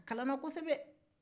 a kalanna ko sɛbɛ